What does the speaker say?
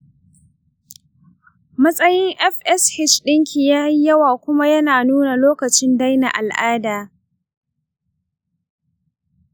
matsayin fsh ɗinki ya yi yawa kuma yana nuna lokacin daina al'ada.